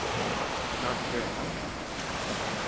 ert tú klár til ferðina